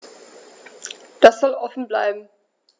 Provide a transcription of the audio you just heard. Das soll offen bleiben.